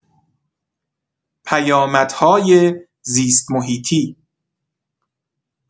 پیامدهای زیست‌محیطی